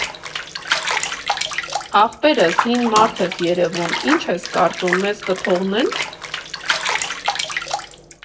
Ախպերս, հին մարդ ես երևում, ի՞նչ ես կարծում, մեզ կթողնե՞ն։